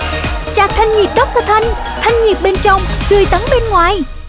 trà thanh nhiệt đốc tơ thanh thanh nhiệt bên trong tươi tắn bên ngoài